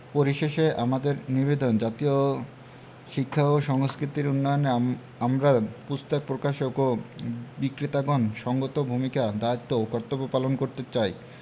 পরিশেষে আমাদের নিবেদন জাতীয় শিক্ষা ও সংস্কৃতির উন্নয়নে আমরা পুস্তক প্রকাশক ও বিক্রেতাগণ সঙ্গত ভূমিকা দায়িত্ব ও কর্তব্য পালন করতে চাই